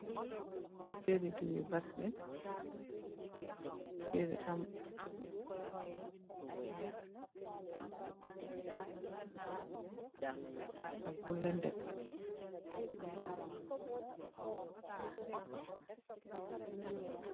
Butteli deew vaseline butel bi am chocolate bu white ak kuberr bu len ndem